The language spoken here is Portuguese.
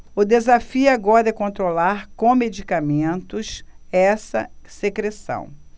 o desafio agora é controlar com medicamentos essa secreção